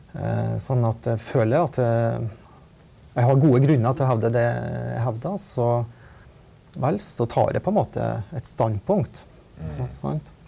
sånn at føler at jeg har gode grunner til å hevde det jeg hevder så vel så tar jeg på en måte et standpunkt så sant.